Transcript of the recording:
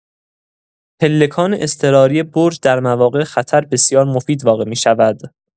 پلکان اضطراری برج در مواقع خطر بسیار مفید واقع می‌شود.